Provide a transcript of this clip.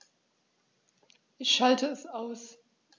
Ich schalte es aus.